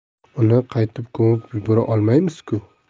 uni qaytib ko'mib yubora olmaymiz ku